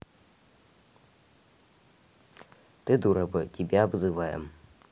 ты дура бы тебя обзываем